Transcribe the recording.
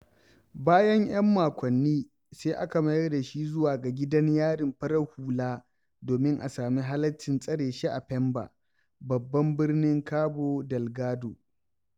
Bayan 'yan makwanni, sai aka mayar da shi zuwa ga gidan yarin farar hula domin a sami halaccin tsare shi a Pemba, babban birnin Cabo Delgado.